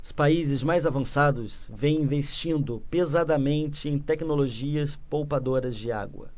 os países mais avançados vêm investindo pesadamente em tecnologias poupadoras de água